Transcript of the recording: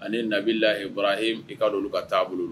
Ani nabila bɔra ka don ka t taaboloa bolo la